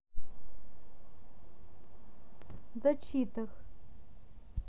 the cheetah